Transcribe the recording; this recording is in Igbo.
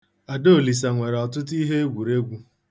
Adaolisa nwere ọtụtụ iheegwuregwu.